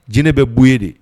Jinɛ bɛ bonya de